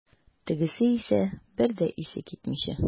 Тегесе исә, бер дә исе китмичә.